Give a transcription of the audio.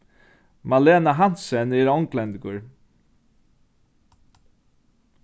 malena hansen er onglendingur